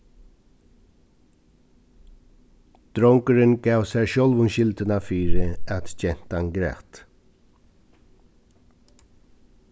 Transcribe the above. drongurin gav sær sjálvum skyldina fyri at gentan græt